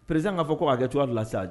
Perez n k' fɔ ko a hakɛ cogoya la